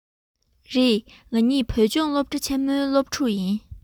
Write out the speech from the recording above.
རེད ང གཉིས བོད ལྗོངས སློབ གྲ ཆེན མོའི སློབ ཕྲུག ཡིན